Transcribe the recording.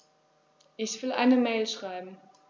Ich will eine Mail schreiben.